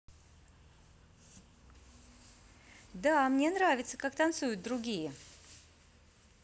да мне нравится как другие танцуют